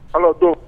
An tun